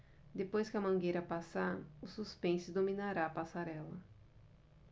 depois que a mangueira passar o suspense dominará a passarela